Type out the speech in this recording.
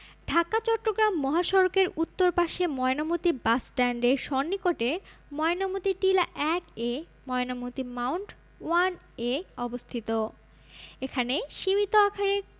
ঢাকা চট্টগ্রাম মহাসড়কের উত্তর পাশে ময়নামতী বাসস্ট্যান্ডের সন্নিকটে ময়নামতী টিলা ১ এ ময়নামতি মাওন্ড ওয়ান এ অবস্থিত এখানে সীমিত আকারে